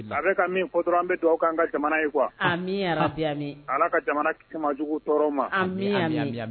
A bɛ ka min fɔ dɔrɔn an bɛ dugawu kɛ an ka jamana ye quoi amina ya rabi Ala ka an ka jamana kisi maa juguw tɔɔrɔ ma amina